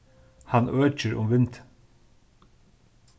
hann økir um vindin